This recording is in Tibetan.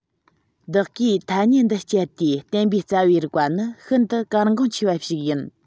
བདག གིས ཐ སྙད འདི སྤྱད དེ བསྟན པའི རྩ བའི རིགས པ ནི ཤིན ཏུ གལ འགངས ཆེ བ ཞིག ཡིན